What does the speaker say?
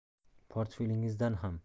portfelingizdan ham